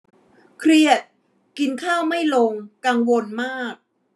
เครียดกินข้าวไม่ลงกังวลมาก